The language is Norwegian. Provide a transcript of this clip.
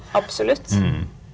absolutt.